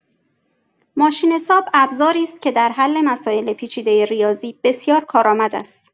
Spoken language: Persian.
ماشین‌حساب ابزاری است که در حل مسائل پیچیده ریاضی بسیار کارآمد است.